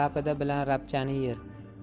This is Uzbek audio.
rapida bilan rapchani yer